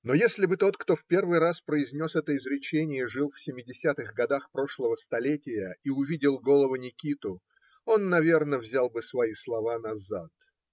но если бы тот, кто в первый раз произнес это изречение, жил в семидесятых годах прошлого столетия и увидел голого Никиту, он, наверно, взял бы свои слова назад.